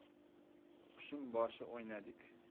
qushim boshi o'ynadik